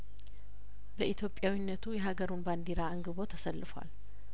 በኢትዮጵያዊነቱ የሀገሩን ባንዲራ አንግቦ ተሰልፏል